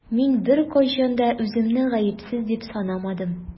Мин беркайчан да үземне гаепсез дип санамадым.